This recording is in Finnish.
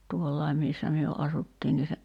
tuolla missä me asuttiin niin se